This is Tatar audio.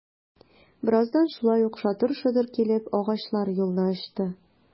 Бераздан шулай ук шатыр-шотыр килеп, агачлар юлны ачты...